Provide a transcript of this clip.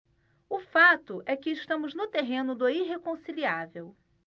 o fato é que estamos no terreno do irreconciliável